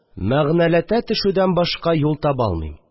Мәгънәләтә төшүдән башка юл таба алмыйм